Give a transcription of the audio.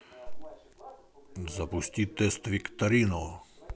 запусти тест викторину